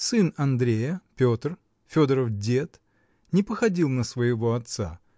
Сын Андрея, Петр, Федоров дед, не походил на своего отца